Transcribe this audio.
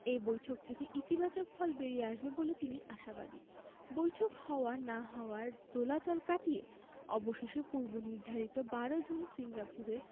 এ বৈঠক থেকে ইতিবাচক ফল বেরিয়ে আসবে বলে তিনি আশাবাদী বৈঠক হওয়া না হওয়ার দোলাচল কাটিয়ে অবশেষে পূর্বনির্ধারিত ১২ জুন সিঙ্গাপুরের